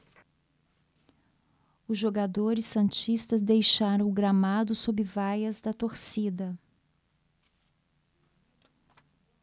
os jogadores santistas deixaram o gramado sob vaias da torcida